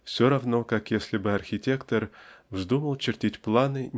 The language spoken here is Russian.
все равно как если бы архитектор вздумал чертить планы